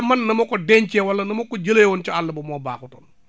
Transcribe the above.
ca man na ma ko dencee woon wala na ma ko jëlee woon ca àll ba moo baaxutoon